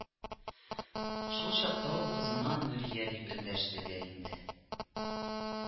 Шул чакта ул кызына Нурия дип эндәште дә инде